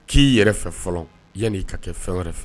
K'i yɛrɛ fɛ fɔlɔ yan'i ka kɛ fɛn wɛrɛ fɛ